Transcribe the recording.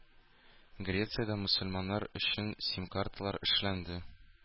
Грециядә мөселманнар өчен СИМ-карталар эшләнде.